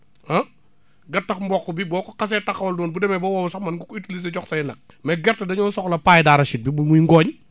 ah gattax mboq bi boo ko xasee taxawal noonu bu demee ba wow sax mën nga ko utiliser jox say nag mais gerte dañoo soxla paille d' arachide bi bu muy ngooñ